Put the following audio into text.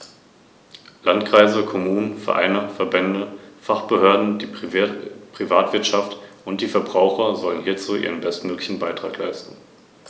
Nistplätze an Felsen liegen meist in Höhlungen oder unter Überhängen, Expositionen zur Hauptwindrichtung werden deutlich gemieden.